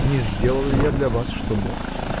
-- Не сделал ли я для вас, что мог?